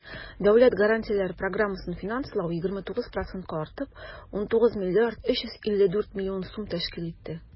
Дәүләт гарантияләре программасын финанслау 29 процентка артып, 19 млрд 354 млн сум тәшкил итте.